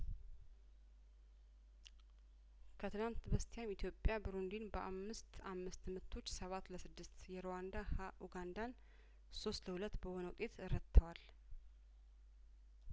ከትናንት በስቲያም ኢትዮጵያ ብሩንዲን በአምስት አምስት ምቶች ሰባት ለስድስት የሩዋንዳ ሀ ኡጋንዳን ሶስት ለሁለት በሆነ ውጤት ረትተዋል